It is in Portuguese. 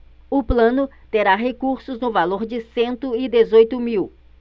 o plano terá recursos no valor de cento e dezoito mil